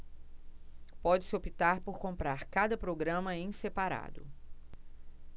pode-se optar por comprar cada programa em separado